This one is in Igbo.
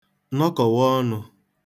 nọkọ̀wa ọnụ̄